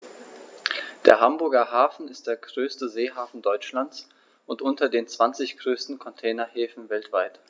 Der Hamburger Hafen ist der größte Seehafen Deutschlands und unter den zwanzig größten Containerhäfen weltweit.